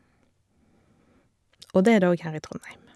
Og det er det òg her i Trondheim.